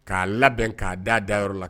K'a labɛn k'a da da yɔrɔ la